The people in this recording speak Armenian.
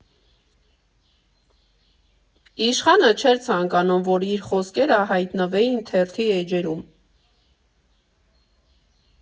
Իշխանը չէր ցանկանում, որ իր խոսքերը հայտնվեին թերթի էջերում։